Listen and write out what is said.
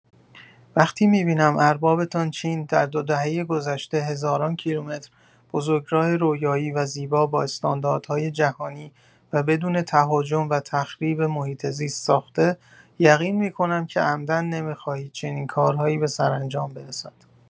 وقتی می‌بینم اربابتان چین، در دو دهه گذشته هزاران کیلومتر بزرگراه رویایی و زیبا، با استانداردهای جهانی و بدون تهاجم و تخریب محیط‌زیست ساخته، یقین می‌کنم که عمدا نمی‌خواهید چنین کارهایی به سرانجام برسد.